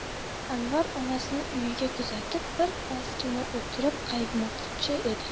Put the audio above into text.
anvar onasini uyiga kuzatib birpasgina o'tirib qaytmoqchi edi